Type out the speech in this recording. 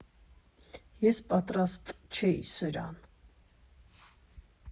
Ես պատրաստ չէի սրան։